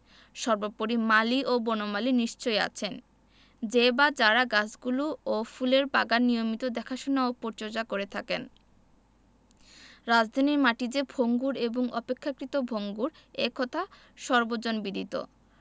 সর্বোপরি মালি ও বনমালী নিশ্চয়ই আছেন যে বা যারা গাছগুলো ও ফুলের বাগান নিয়মিত দেখাশোনা ও পরিচর্যা করে থাকেন রাজধানীর মাটি যে ভঙ্গুর এবং অপেক্ষাকৃত ভঙ্গুর এ কথা সর্বজনবিদিত